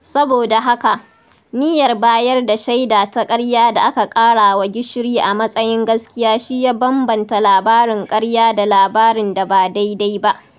Saboda haka, niyyar bayar da shaida ta ƙarya da aka ƙarawa gishiri a matsayin gaskiya shi ya bambamta labarin ƙarya da labarin da ba daidai ba.